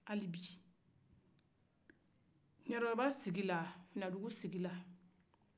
hali bi kiɲɛrɔba sigila